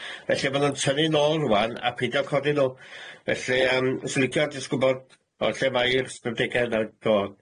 Felly ma' nw'n tynnu'n ôl rŵan, a peidio codi nw. Felly yym swn i licio jyst gwbod o lle mae'r ystadege yna'n dod.